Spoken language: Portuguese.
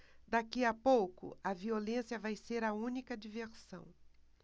daqui a pouco a violência vai ser a única diversão